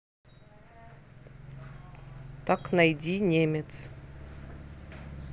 так найди немец